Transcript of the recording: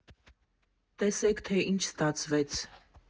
Տեսեք, թե ինչ ստացվեց։